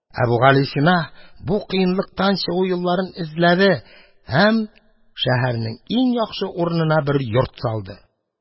Әбүгалисина бу кыенлыктан чыгу юлларын эзләде һәм шәһәрнең иң яхшы урынына бер йорт салды.